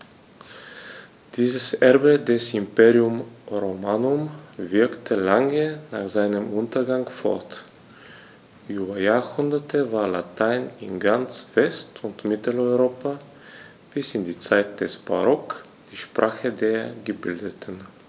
Dieses Erbe des Imperium Romanum wirkte lange nach seinem Untergang fort: Über Jahrhunderte war Latein in ganz West- und Mitteleuropa bis in die Zeit des Barock die Sprache der Gebildeten.